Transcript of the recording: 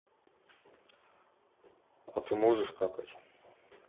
а ты можешь какать